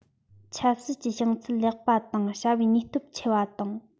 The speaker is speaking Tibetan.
ཆབ སྲིད ཀྱི བྱང ཚད ལེགས པ དང བྱ བའི ནུས སྟོབས ཆེ བ དང